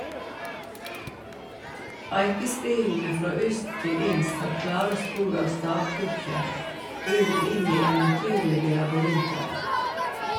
Eikespilene frå ytst til inst har klare spor av stavkyrkje, bygd inn i eventyrlege labyrintar.